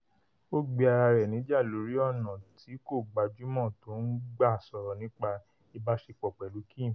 Ó gbe ara rẹ̀ níjà lórí ọ̀nà tí kò gbajúmọ̀ tó ń gbà sọ̀rọ̀ nípa ìbáṣepọ̀ pẹ̀lú Kim.